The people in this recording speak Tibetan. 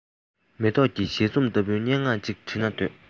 མེ ཏོག གི བཞད འཛུམ ལྟ བུའི སྙན ངག ཅིག འབྲི ན འདོད